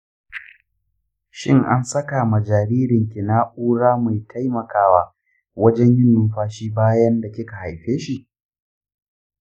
shin ansaka ma jaririnki na'ura mai taimakawa wajen yin numfashi bayan da kika haifeshi?